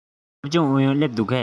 སློབ སྦྱོང ཨུ ཡོན སླེབས འདུག གས